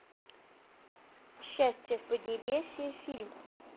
счастье в поднебесье фильм